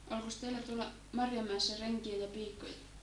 olikos teillä tuolla Marjamäessä renkejä ja piikoja